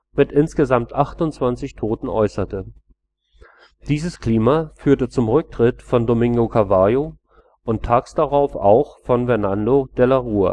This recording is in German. mit insgesamt 28 Toten äußerte. Dieses Klima führte zum Rücktritt von Domingo Cavallo und tags darauf auch von Fernando de la Rúa